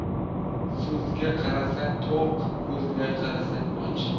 so'ziga qarasang to'q ko'ziga qarasang och